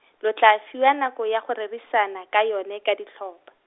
lo tla fiwa nako ya go rerisana, ka yone ka ditlhopha.